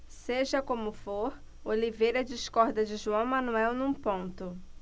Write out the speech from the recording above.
seja como for oliveira discorda de joão manuel num ponto